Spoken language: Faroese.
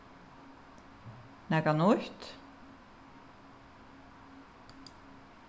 nakað nýtt